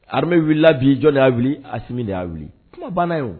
Armée wulila bi jɔn de y'a wuli Asimi de y'a wuli, kuma banna yen